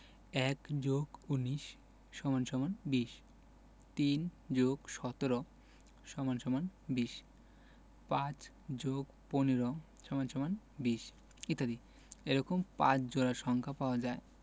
১+১৯=২০ ৩+১৭=২০ ৫+১৫=২০ ইত্যাদি এরকম ৫ জোড়া সংখ্যা পাওয়া যায়